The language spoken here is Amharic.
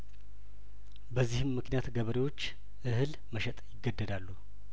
በዚህም ምክንያት ገበሬዎች እህል መሸጥ ይገደዳሉ